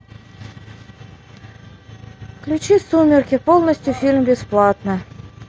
включи сумерки полностью фильм бесплатно